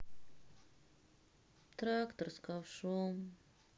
трактор с ковшом